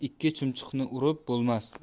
ikki chumchuqni urib bo'lmas